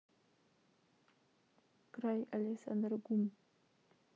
cry александр гум